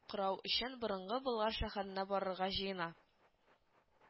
Карау өчен, борынгы болгар шәһәренә барырга җыена